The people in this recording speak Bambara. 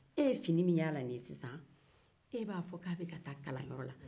e ye fini min ye a la ni ye sisan e b'a fɔ k'a bɛ ka taa kalan yɔrɔ la